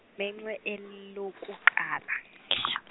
-menxe elokuqala .